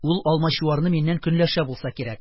Ул Алмачуарны миннән көнләшә булса кирәк.